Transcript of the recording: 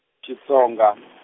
Xitsonga .